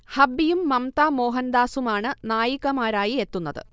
ഹബ്ബിയും മമ്ത മോഹൻദാസുമാണ് നായികമാരായി എത്തുന്നത്